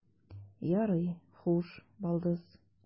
Ярый, хуш, балдыз.